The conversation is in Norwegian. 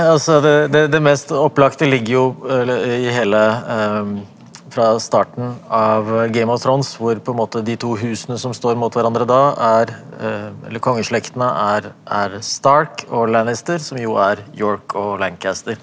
altså det det det mest opplagte ligger jo eller i hele fra starten av Game of Thrones hvor på en måte de to husene som står mot hverandre da er eller kongeslektene er er Stark og Lannister som jo er York og Lancaster.